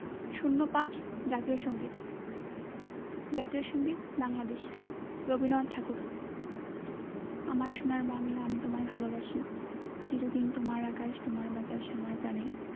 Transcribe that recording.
০৫ জাতীয় সংগীত জাতীয় সংগীত বাংলাদেশ রবীন্দ্রনাথ ঠাকুর আমার সোনার বাংলা আমি তোমায় ভালোবাসি চির দিন তোমার আকাশ তোমার বাতাস আমার প্রাণে